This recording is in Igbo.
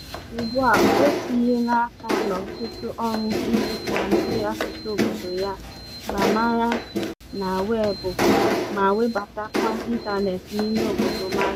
Ugbua, o tinyela aka n'ọtụtụ ọrụ iji kwalite asụsụ obodo ya, Bambara, na Weebụ, ma webatakwa ịntanetị n'ime obodo Mali.